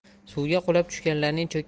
suvga qulab tushganlarning